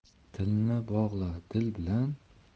tilni bog'la dil bilan